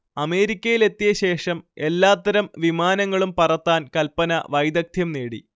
അമേരിക്കയിലെത്തിയ ശേഷം എല്ലാത്തരം വിമാനങ്ങളും പറത്താൻ കൽപന വൈദഗ്ത്യം നേടി